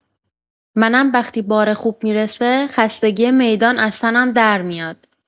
منم وقتی بار خوب می‌رسه، خستگی میدان از تنم درمیاد.